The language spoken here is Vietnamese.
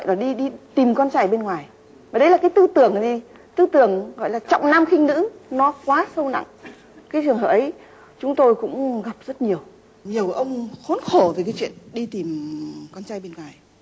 là đi đi tìm con trai ở bên ngoài và đấy là cái tư tưởng gì tư tưởng gọi là trọng nam khinh nữ nó quá sâu nặng cái trường hợp ấy chúng tôi cũng gặp rất nhiều nhiều ông khốn khổ vì cái chuyện đi tìm con trai bên ngoài